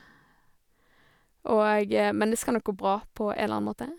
og Men det skal nok gå bra på en eller annen måte.